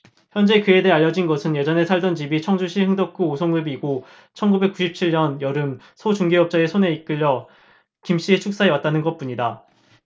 현재 그에 대해 알려진 것은 예전에 살던 집이 청주시 흥덕구 오송읍이고 천 구백 구십 칠 년 여름 소 중개업자의 손에 끌려 김씨의 축사에 왔다는 것뿐이다